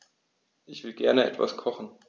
Ich will gerne etwas kochen.